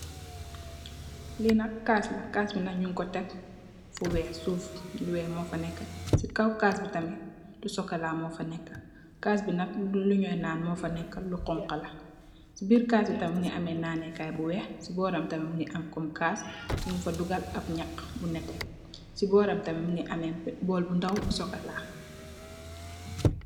Lii nak kass la, kass bii nak njung kor tek fu wekh suff lu wekh mofa neka, cii kaw kass bii tamit lu chocolat mofa neka, kass bii nak lu njuii nan mofa neka lu honka la, cii birr kass bi tamit mungy ameh naneh kaii bu wekh, cii bohram tamit mungy am kom kass njung fa dugal ahb njakh bu nehteh, cii bohram tamit mungy ameh borl bu ndaw kom chocolat.